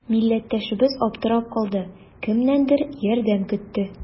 Милләттәшебез аптырап калды, кемнәндер ярдәм көтте.